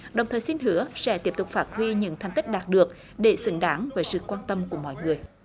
đồng thời xin hứa sẽ tiếp tục phát huy những thành tích đạt được để xứng đáng với sự quan tâm của mọi người